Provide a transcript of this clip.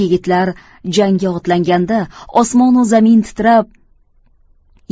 yig'tlar jangga otlanganda osmonu zamin titrab